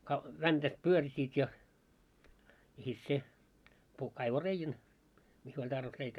- väntät pyörsivät ja ja sitten se puhki kaivoi reiän missä oli tarvis reikää